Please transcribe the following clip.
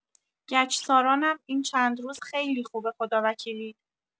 گچسارانم این چند روز خیلی خوبه خداوکیلی